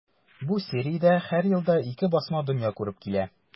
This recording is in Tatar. Бу сериядә һәр елда ике басма дөнья күреп килә.